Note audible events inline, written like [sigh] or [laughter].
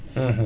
[hesitation] [hesitation]